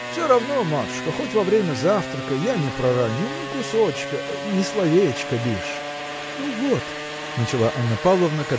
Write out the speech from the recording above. – Все равно, матушка, хоть во время завтрака: я не пророню ни кусочка. ни словечка, бишь. – Ну вот – начала Анна Павловна